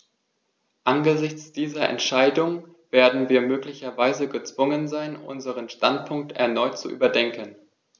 Angesichts dieser Entscheidung werden wir möglicherweise gezwungen sein, unseren Standpunkt erneut zu überdenken.